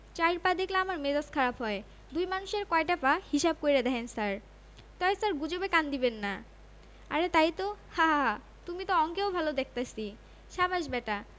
চাইর পা দেখলেই আমার মেজাজ খারাপ হয় দুই মানুষে কয়ডা পা হিসাব কইরা দেখেন ছার তয় ছার গুজবে কান্দিবেন্না আরে তাই তো হাহাহা তুমি তো অঙ্কেও ভাল দেখতেছি সাব্বাস ব্যাটা